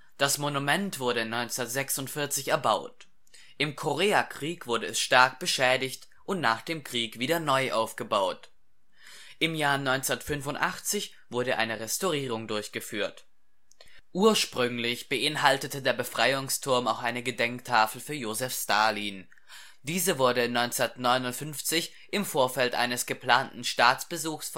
Das Monument wurde 1946 erbaut. Im Koreakrieg wurde es stark beschädigt und nach dem Krieg wieder neu aufgebaut. Im Jahr 1985 wurde eine Restaurierung durchgeführt. Ursprünglich beinhaltete der Befreiungsturm auch eine Gedenktafel für Josef Stalin. Diese wurde 1959 im Vorfeld eines geplanten Staatsbesuchs